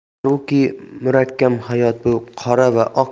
haruki murakami hayot bu qora va